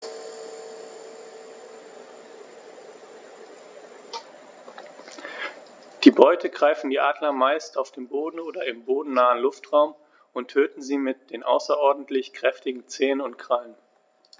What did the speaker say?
Die Beute greifen die Adler meist auf dem Boden oder im bodennahen Luftraum und töten sie mit den außerordentlich kräftigen Zehen und Krallen.